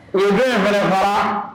Ofɛn fɛrɛ faga